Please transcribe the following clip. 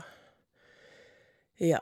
Ja.